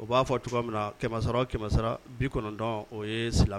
O b'a fɔ cogoya min na kɛmɛsara o kɛmɛsara bi kɔnɔntɔn o ye silamɛ